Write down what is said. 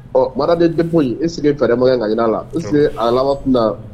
Ɔ mara de tɛbo in e sigi farimakɛ ka jira lase arabama